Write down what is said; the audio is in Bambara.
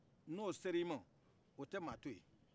n'o ser'ima o tɛ maa to yen